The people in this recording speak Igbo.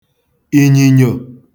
ìnyìnyò